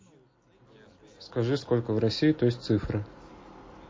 скажи сколько в россии то есть цифры